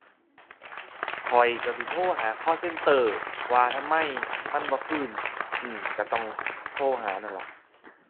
ข้อยก็สิโทรหา call center ว่าทำไมมันบ่คืน อื้อ ก็ต้องโทรหานั่นล่ะ